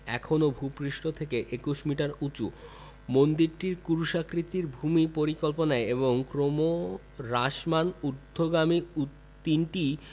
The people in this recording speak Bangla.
এখনও ভূ পৃষ্ঠ থেকে ২১ মিটার উঁচু মন্দিরটি ক্রুশাকৃতির ভূমি পরিকল্পনায় এবং ক্রমহ্রাসমান ঊর্ধ্বগামী তিনটি